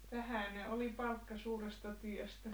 vähäinen oli palkka suuresta työstä